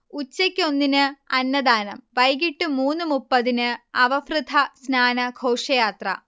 ഉച്ചക്ക് ഒന്നിന് അന്നദാനം വൈകീട്ട് മൂന്ന് മുപ്പതിന് അവഭൃഥ സ്നാന ഘോഷയാത്ര